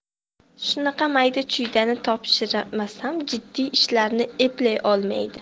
shunaqa mayda chuydani topshirmasam jiddiy ishlarni eplay olmaydi